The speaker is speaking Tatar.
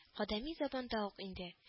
Кадәми заманда ук инде